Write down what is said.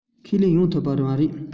ཁས ལེན ཡོང ཐུབ ཀྱི མ རེད